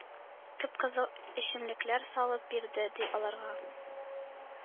Кып-кызыл эчемлекләр салып бирде, ди, аларга.